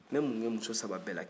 n bɛ mun kɛ musa saba bɛe la